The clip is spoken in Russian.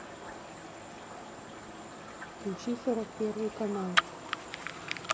включи сорок первый канал